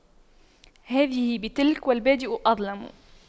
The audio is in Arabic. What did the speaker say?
هذه بتلك والبادئ أظلم